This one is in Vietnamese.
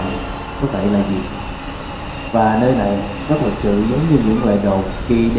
thì bóng người xuất hiện trong video này có thể là gì và nơi này có thực sự